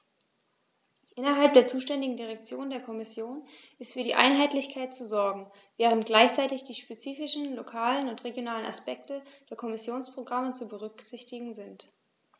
Innerhalb der zuständigen Direktion der Kommission ist für Einheitlichkeit zu sorgen, während gleichzeitig die spezifischen lokalen und regionalen Aspekte der Kommissionsprogramme zu berücksichtigen sind.